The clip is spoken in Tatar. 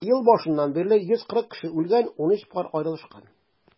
Ел башыннан бирле 140 кеше үлгән, 13 пар аерылышкан.